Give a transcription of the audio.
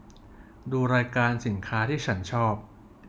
ดูรายการสินค้าที่ฉันชอบ